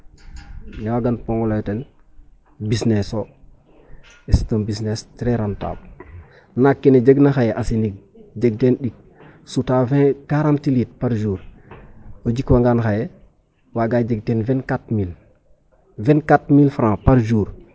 Ne waagantonga layongo ten bisneso et c' est un busness trés rentable naak kene jegna xaye sinig jeg teen ɗik suta 40 litres par jour o jikwangan xaye waaga jeg teen 24 mille 24 mille francs par jour.